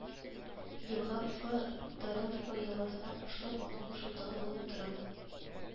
Елга Фэ доровка елгасына кушылып, аның кушылдыгы булып тора